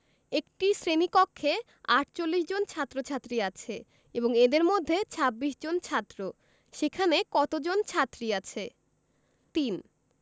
একটি শ্রেণি কক্ষে ৪৮ জন ছাত্ৰ-ছাত্ৰী আছে এবং এদের মধ্যে ২৬ জন ছাত্র সেখানে কতজন ছাত্রী আছে ৩